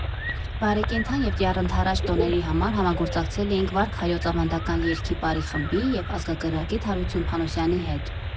Բարեկենդան և Տյառընդառաջ տոների համար համագործակցել էինք «Վարք հայոց» ավանդական երգի֊պարի խմբի և ազգագրագետ Հարություն Փանոսյանի հետ։